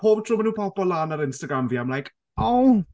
Pob tro maen nhw'n popio lan ar Instagram fi, I'm like, oh!